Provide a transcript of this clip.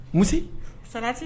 Mu si sarasi